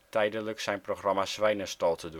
tijdelijk zijn programma Swijnenstal te